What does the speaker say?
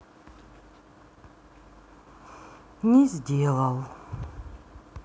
незделал